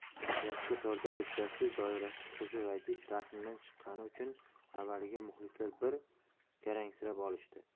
yakka torda g'ijjaksiz doirasiz qo'shiq aytish rasmdan chiqqani uchun avvaliga muxlislar bir garangsib olishdi